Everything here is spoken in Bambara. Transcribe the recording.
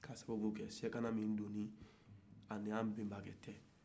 k'a sababu kɛ kalen kan min donna a n'an bɛnbakɛ cɛ